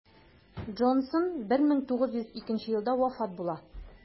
Джонсон 1902 елда вафат була.